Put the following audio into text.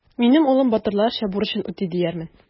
Минем улым батырларча бурычын үти диярмен.